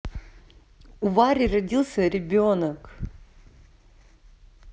у вари родился ребенок